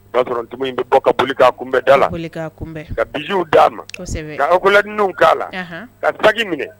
O y'a sɔrɔ ntumu in bɛ bɔ k'a kunbɛn, ka boli ka kunbɛ, ka bissou d'a ma, ka accolades ninw k'ala ka saki minɛ!